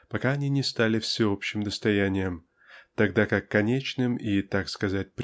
пока они не стали всеобщим достоянием тогда как конечным и так сказать